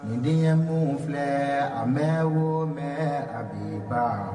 Nin denkun filɛ a bɛ wo mɛn a biba